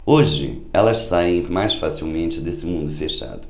hoje elas saem mais facilmente desse mundo fechado